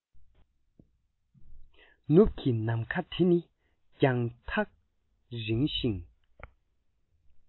ནུབ ཀྱི ནམ མཁའ དེ ནི རྒྱང ཐག རིང ཞིང